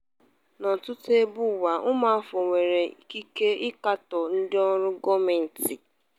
N'ọtụtụ ebe n'ụwa, ụmụafọ nwere ikike ịkatọ ndịọrụ gọọmentị.